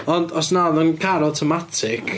Ond os na oedd o'n car automatic?